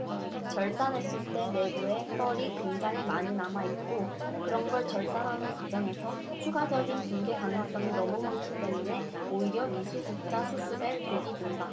절단했을 때 내부에 뻘이 굉장히 많이 남아있고 그런 걸 절단하는 과정에서 추가적인 붕괴 가능성이 너무 많기 때문에 오히려 미수습자 수습에 독이 된다